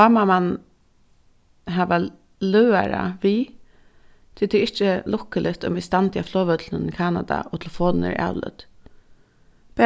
tá má mann hava løðara við tí tað er ikki lukkuligt um eg standi á flogvøllinum í kanada og telefonin er avlødd